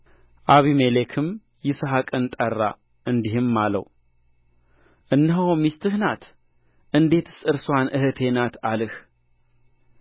አቢሜሌክም ይስሐቅን ጠራ እንዲህም አለው እነሆ ሚስትህ ናት እንዴትስ እርስዋን እኅቴ ናት አልህ